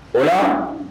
O la